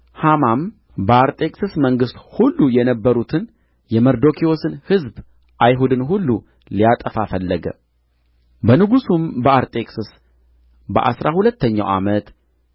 ሐማም በአርጤክስስ መንግሥት ሁሉ የነበሩትን የመርዶክዮስን ሕዝብ አይሁድን ሁሉ ሊያጠፋ ፈለገ በንጉሡም በአርጤክስስ በአሥራ ሁለተኛው ዓመት